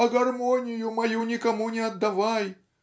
а гармонию мою никому не отдавай.